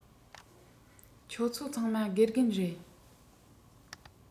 ཁྱོད ཚོ ཚང མ དགེ རྒན རེད